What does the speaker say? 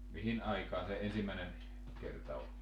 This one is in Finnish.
mihin aikaan se ensimmäinen kerta oli